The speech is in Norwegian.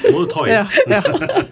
nå må du ta i .